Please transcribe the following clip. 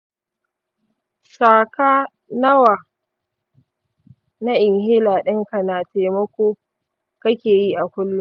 shaka nawa na inhaler ɗinka na taimako kake yi a kullum?